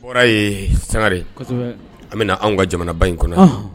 O bɔra ye sangare an bɛ na anw ka jamanaba in kɔnɔ